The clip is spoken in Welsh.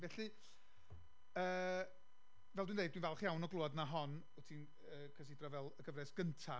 Felly, yy, fel dwi'n deud, dwi'n falch iawn o glywed na hon wyt ti'n considro fel y gyfres gynta.